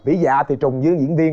vĩ dạ thì trùng với diễn viên